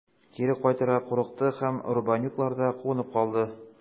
Кире кайтырга курыкты һәм Рубанюкларда кунып калды.